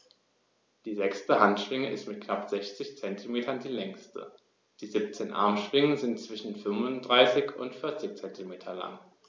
Die sechste Handschwinge ist mit knapp 60 cm die längste. Die 17 Armschwingen sind zwischen 35 und 40 cm lang.